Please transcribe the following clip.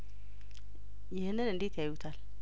ይህንን እንዴት ያዩታል